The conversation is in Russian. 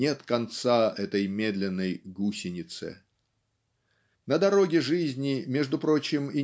нет конца этой медленной "гусенице". На дороге жизни между прочим